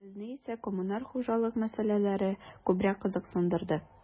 Безне исә коммуналь хуҗалык мәсьәләләре күбрәк кызыксындырды.